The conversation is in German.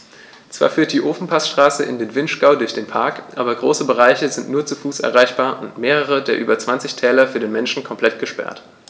Zwar führt die Ofenpassstraße in den Vinschgau durch den Park, aber große Bereiche sind nur zu Fuß erreichbar und mehrere der über 20 Täler für den Menschen komplett gesperrt.